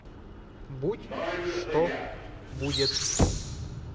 будь что будет